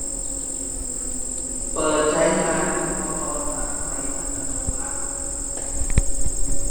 เปิดใช้งานอุปกรณ์ตัดไฟอัตโนมัติ